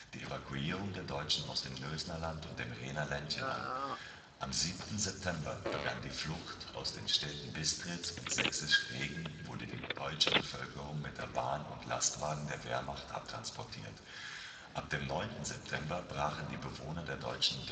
Evakuierung der Deutschen aus dem Nösnerland und dem Reener Ländchen an. Am 7. September begann die Flucht. Aus den Städten Bistritz und Sächsisch-Regen wurde die deutsche Bevölkerung mit der Bahn und Lastwagen der Wehrmacht abtransportiert. Ab dem 9. September brachen die Bewohner der deutschen